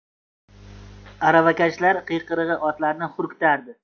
aravakashlar qiyqirig'i otlarni xurkitardi